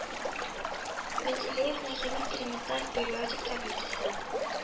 Менделеевның химик элементлар периодик таблицасы